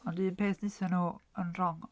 Ond un peth wnaethon nhw yn wrong...